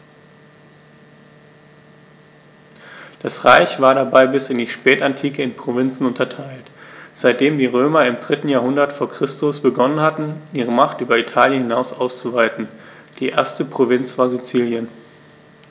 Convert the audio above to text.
Das Reich war dabei bis in die Spätantike in Provinzen unterteilt, seitdem die Römer im 3. Jahrhundert vor Christus begonnen hatten, ihre Macht über Italien hinaus auszuweiten (die erste Provinz war Sizilien).